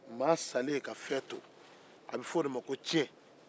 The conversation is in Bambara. maa salen ka fɛn to a bɛ fɔ o de ma ko cɛn